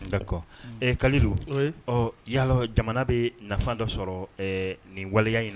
Nka kɔ ee ka don ɔ yalala jamana bɛ nafafan dɔ sɔrɔ nin waleya ɲini